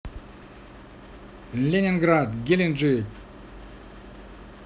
ленинград геленджик